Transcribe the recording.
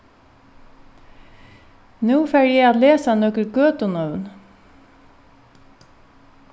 nú fari eg at lesa nøkur gøtunøvn